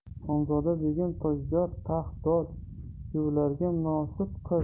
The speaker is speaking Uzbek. xonzoda begim tojdor taxt dor kuyovlarga munosib qiz